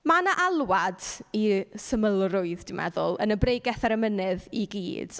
Mae 'na alwad i symlrwydd, dwi'n meddwl, yn y Bregeth ar y Mynydd i gyd.